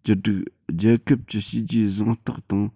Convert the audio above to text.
བཅུ དྲུག རྒྱལ ཁབ ཀྱི བྱས རྗེས གཟེངས རྟགས དང